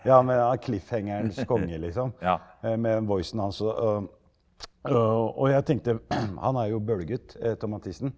ja med cliffhangerens konge liksom med den hans og og jeg tenkte han er jo bølergutt Tom Mathisen.